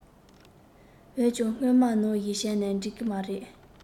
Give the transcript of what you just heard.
འོན ཀྱང སྔོན མ ནང བཞིན བྱས ན འགྲིག གི མ རེད